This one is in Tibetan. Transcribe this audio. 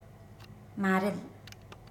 མ རེད